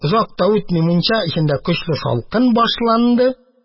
Озак та үтми, мунча эчендә көчле салкын башланды.